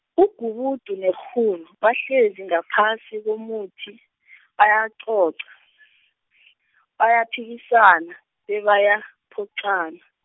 ugubudu nekghuru bahlezi ngaphasi komuthi , bayacoca , bayaphikisana, bebayaphoqana.